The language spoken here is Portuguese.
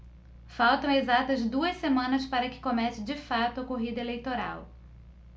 faltam exatas duas semanas para que comece de fato a corrida eleitoral